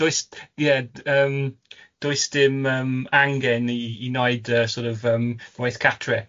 Does, ie, d- yym d- does dim yym angen i i wneud yy sor' of yym weith gatre